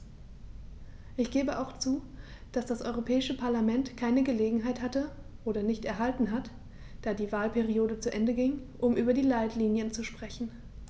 Ich gebe auch zu, dass das Europäische Parlament keine Gelegenheit hatte - oder nicht erhalten hat, da die Wahlperiode zu Ende ging -, um über die Leitlinien zu sprechen.